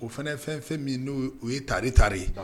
o fɛn fɛn n'o o ye tari tari ye